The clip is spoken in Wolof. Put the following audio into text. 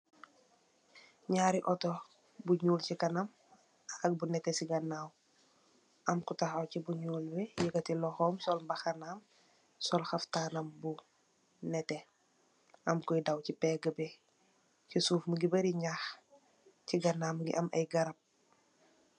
Nyarri ottu bu ñuul ci kanam ak bu neteh ci ganaw. Amna ku takhaw ci bu ñuul bi eketi loxom sol mbaxanam, sol khaftan nam bu neteh, am koi daw ci pegam bi, ci suuf mungi bari nyax, ci gannaaw mungi am ay garap.